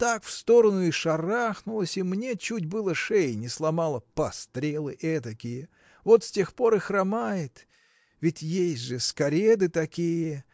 так в сторону и шарахнулась и мне чуть было шеи не сломала. пострелы этакие! Вот с тех пор и хромает. Ведь есть же скареды такие!